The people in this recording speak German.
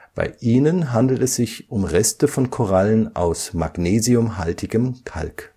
Bei ihnen handelt es sich um Reste von Korallen aus magnesiumhaltigem Kalk